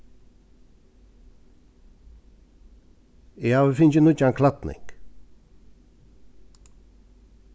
eg havi fingið nýggjan klædning